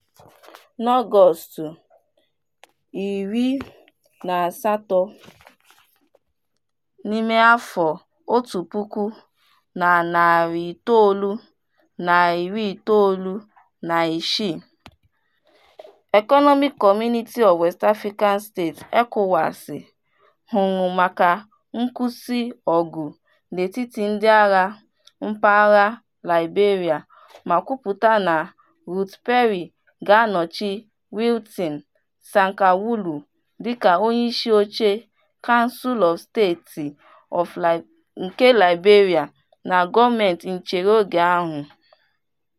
N'Ọgọọst 18, 1996, Economic Community of West African States (ECOWAS) hụrụ maka nkwụsị ọgụ n'etiti ndịagha mpaghara Liberia ma kwupụta na Ruth Perry ga-anọchi Wilton Sankawulo dịka Onyeisioche Council of State of Liberia na gọọmentị nchereoge ahụ.